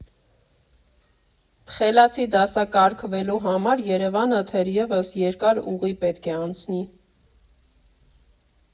«Խելացի» դասակարգվելու համար Երևանը թերևս երկար ուղի պետք է անցնի։